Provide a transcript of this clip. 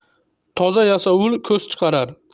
toza yasovul ko'z chiqarar